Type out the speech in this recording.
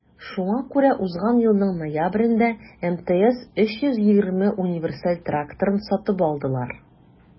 Шуңа күрә узган елның ноябрендә МТЗ 320 универсаль тракторын сатып алдылар.